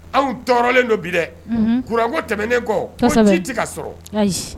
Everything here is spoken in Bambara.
Anw tɔɔrɔlen don bi dɛ kuranko tɛmɛnnen kɔ i tɛ ka sɔrɔ